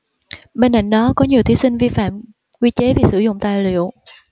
bên cạnh đó có nhiều thí sinh vi phạm quy chế vì sử dụng tài liệu